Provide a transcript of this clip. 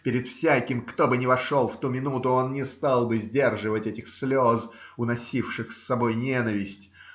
перед всяким, кто бы ни вошел в ту минуту, он не стал бы сдерживать этих слез, уносивших с собой ненависть.